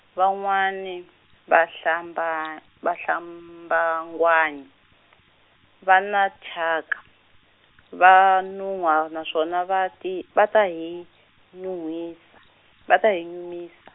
van'wani, va Hlamba- va Hlabangwani, va na thyaka, va nunhwa naswona va ti va ta hi nuwisa-, va ta hi nyumisa.